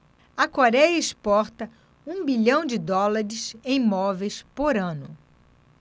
a coréia exporta um bilhão de dólares em móveis por ano